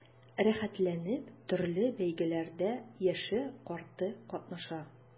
Рәхәтләнеп төрле бәйгеләрдә яше-карты катнаша.